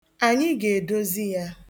Anyị ga-edozi ya.